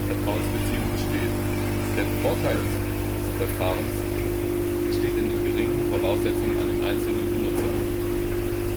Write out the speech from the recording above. Vertrauensbeziehung besteht. Der Vorteil dieses Verfahrens besteht in den geringen Voraussetzungen an den einzelnen Benutzer.